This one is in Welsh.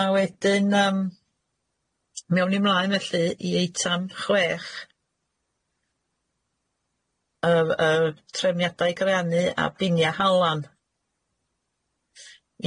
A wedyn yym mi awn ni 'mlaen felly i eitem chwech yy yy trefniadau graeanu a biniau halan.